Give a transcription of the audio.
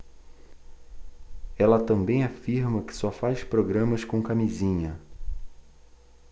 ela também afirma que só faz programas com camisinha